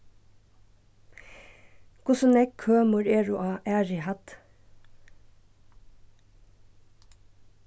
hvussu nógv kømur eru á aðru hædd